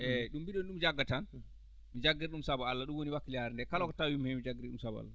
eeyi ɗum mbiɗon ɗum jaggat tan jagga ɗum sabu Allah ɗum woni wakkilaare ndee kala ko tawimi heen mi jaɓrii ɗum sabu